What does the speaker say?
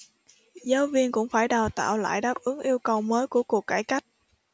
giáo viên cũng phải đào tạo lại đáp ứng yêu cầu mới của cuộc cải cách